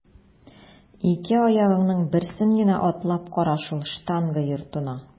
Ике аягыңның берсен генә атлап кара шул штанга йортына!